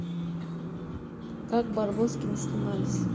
как барбоскины снимались